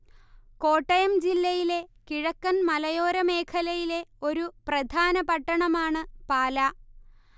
കോട്ടയം ജില്ലയിലെ കിഴക്കൻ മലയോര മേഖലയിലെ ഒരു പ്രധാന പട്ടണമാണ് പാലാ